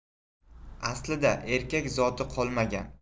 aslida erkak zoti qolmagan